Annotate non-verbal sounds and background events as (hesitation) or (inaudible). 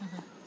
(hesitation) (hesitation)